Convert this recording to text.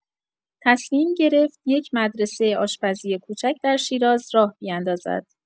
تصمیم گرفت یک مدرسه آشپزی کوچک در شیراز راه بیندازد.